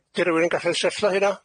D- di rywun yn gallu hunna?